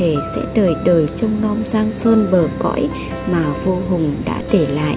sẽ đời đời trông nom giang sơn bờ cõi mà vua hùng đã để lại